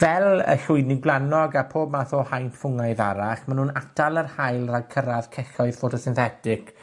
Fel y llwydni gwlanog a pob math o haint ffwngaidd arall, ma' nw'n atal yr haul rag cyrradd celloedd ffotosynthetic